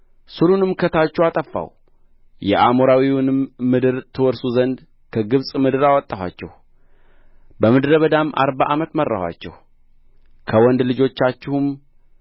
ሥሩንም ከታቹ አጠፋሁ የአሞራዊውንም ምድር ትወርሱ ዘንድ ከግብጽ ምድር አወጣኋችሁ በምድረ በዳም አርባ ዓመት መራኋችሁ ከወንድ ልጆቻችሁም